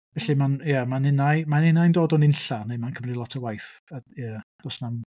Felly mae'n ia... mae'n un ai mae'n un ai yn dod o nunlla neu mae'n cymryd lot o waith. A ia, does na'm...